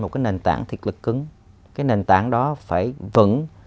một cái nền tảng thiệt là cứng cái nền tảng đó phải vững